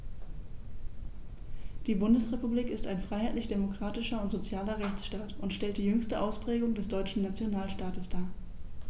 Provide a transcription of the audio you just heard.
Die Bundesrepublik ist ein freiheitlich-demokratischer und sozialer Rechtsstaat und stellt die jüngste Ausprägung des deutschen Nationalstaates dar.